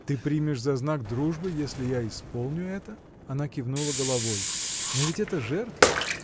— Ты примешь за знак дружбы, если я исполню это? Она кивнула головой. — Но ведь это жертва?